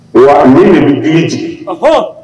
Nka minnu bɛ den jigin. Ɔnhɔn.